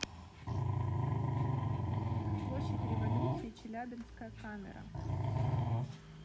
площадь революции челябинская камера